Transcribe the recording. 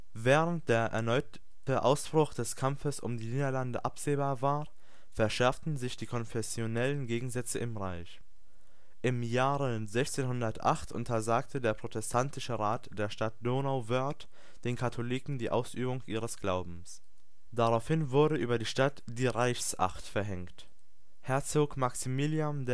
Während der erneute Ausbruch des Kampfes um die Niederlande absehbar war, verschärften sich die konfessionellen Gegensätze im Reich: Im Jahr 1608 untersagte der protestantische Rat der Stadt Donauwörth den Katholiken die Ausübung ihres Glaubens. Daraufhin wurde über die Stadt die Reichsacht verhängt. Herzog Maximilian